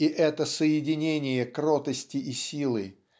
и это соединение кротости и силы